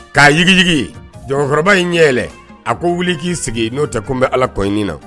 K'a yiriigi cɛkɔrɔba y ini ɲɛɛlɛnɛlɛ a ko wuli k'i sigi n'o tɛ kun bɛ ala kɔ na